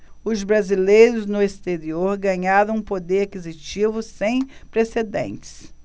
os brasileiros no exterior ganharam um poder aquisitivo sem precedentes